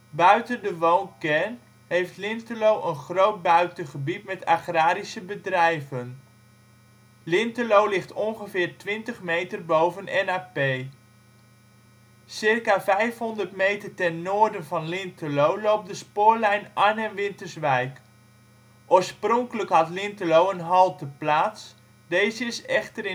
Buiten de woonkern heeft Lintelo een groot buitengebied met agrarische bedrijven. Lintelo ligt op ongeveer twintig meter boven NAP. Circa 500 meter ten noorden van Lintelo loopt de spoorlijn Arnhem-Winterswijk. Oorspronkelijk had Lintelo een halteplaats, deze is echter